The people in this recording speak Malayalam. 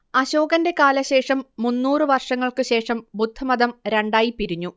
അശോകന്റെ കാലശേഷം മുന്നൂറ് വർഷങ്ങൾക്ക് ശേഷം ബുദ്ധമതം രണ്ടായി പിരിഞ്ഞു